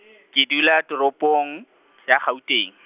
ke dula toropong, ya Gauteng.